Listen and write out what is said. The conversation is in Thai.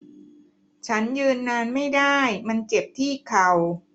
ฉันยืนนานไม่ได้มันเจ็บที่เข่า